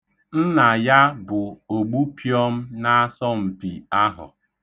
Nna ya bụ ogbupịọm n'asọmpi ahụ.